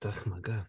Dychmyga.